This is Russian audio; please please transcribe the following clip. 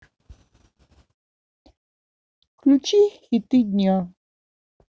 включи хиты дня